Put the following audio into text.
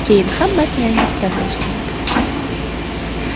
keyin hammasi yangitdan boshlanadi